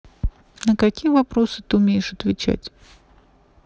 на какие вопросы ты умеешь отвечать